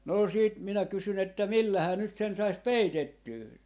no sitten minä kysyin että millähän nyt sen saisi peitettyä